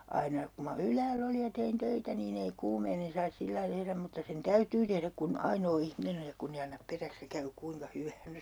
aina kun minä ylhäällä olin ja tein töitä niin ei kuumeinen saisi sillä lailla tehdä mutta sen täytyy tehdä kun ainoa ihminen on ja kun ei anna peräksi ja käy kuinka hyvänsä